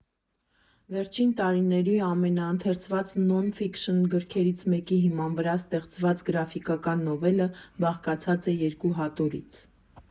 Վերջին տարիների ամենաընթերցված նոն֊ֆիքշն գրքրերից մեկի հիման վրա ստեղծված գրաֆիկական նովելը բաղկացած է երկու հատորից։